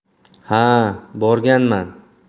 ha borganman